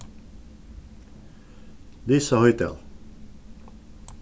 lisa hoydal